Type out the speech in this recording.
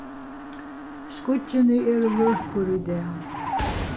skýggini eru vøkur í dag